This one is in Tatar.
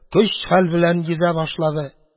Көч-хәл белән йөзә башлады.